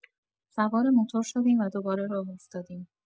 سوار موتور شدیم و دوباره راه افتادیم.